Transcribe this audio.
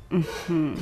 Unhun